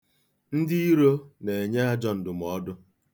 Ndị iro na-enye ajọ ndụmọọdụ.